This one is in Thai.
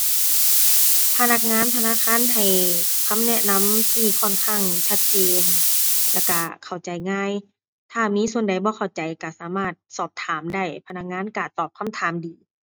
พนักงานธนาคารให้คำแนะนำที่ค่อนข้างชัดเจนแล้วก็เข้าใจง่าย ถ้ามีส่วนใดบ่เข้าใจกะสามารถสอบถามได้ พนักงานก็ตอบคำถามดี